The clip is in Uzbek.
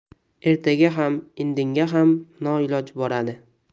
ertaga ham indinga ham noiloj boradi